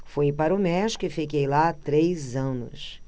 fui para o méxico e fiquei lá três anos